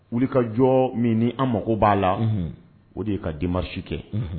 Wuli ka jɔ min an mako b'a la o de ye ka di ma su kɛ